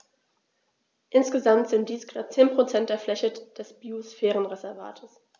Insgesamt sind dies knapp 10 % der Fläche des Biosphärenreservates.